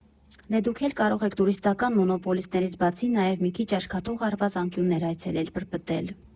Դե դուք էլ կարող եք տուրիստական մոնոպոլիստներից բացի նաև մի քիչ աչքաթող արված անկյուններ այցելել, պրպտել։